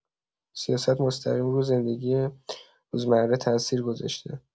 سیاست مستقیم رو زندگی روزمره تاثیر گذاشته.